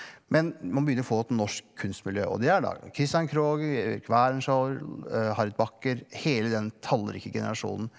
men man begynner å få et norsk kunstmiljø og det er da Christian Krohg Werenskiold Harriet Backer hele den tallrike generasjonen.